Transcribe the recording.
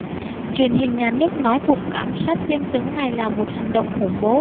truyền hình nhà nước nói cuộc ám sát viên tướng này là một hành động khủng bố